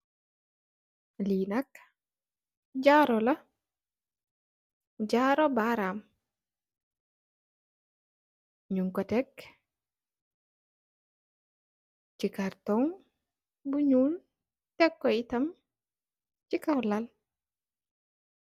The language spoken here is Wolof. Lee nak jaaru la jaaru baram nuge ku teek se cartoon bu njol teku yutam se kaw lal.